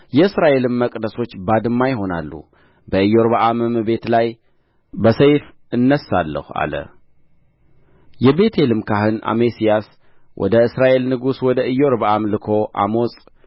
የእስራኤልም መቅደሶች ባድማ ይሆናሉ በኢዮርብዓምም ቤት ላይ በሰይፍ እነሣለሁ አለ የቤቴልም ካህን አሜስያስ ወደ እስራኤል ንጉሥ ወደ ኢዮርብዓም ልኮ አሞጽ